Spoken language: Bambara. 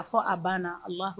A fɔ a banna a b'a fɔ